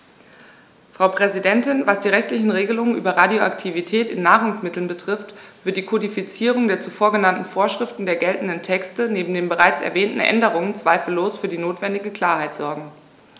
Frau Präsidentin, was die rechtlichen Regelungen über Radioaktivität in Nahrungsmitteln betrifft, wird die Kodifizierung der zuvor genannten Vorschriften der geltenden Texte neben den bereits erwähnten Änderungen zweifellos für die notwendige Klarheit sorgen.